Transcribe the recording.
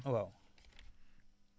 waaw